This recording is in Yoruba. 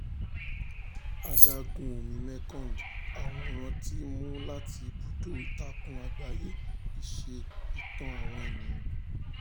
Adágún omi Mekong. Àwòrán tí a mú láti Ibùdó-ìtàkùn-àgbáyé iṣẹ́ Ìtàn Àwọn Ènìyàn.